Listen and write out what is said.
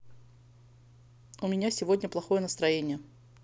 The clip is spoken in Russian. у меня сегодня плохое настроение